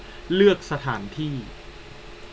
เลือกสถานที่